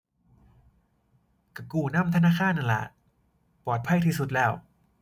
ก็กู้นำธนาคารนั่นล่ะปลอดภัยที่สุดแล้ว